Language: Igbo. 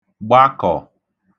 gbakọ̀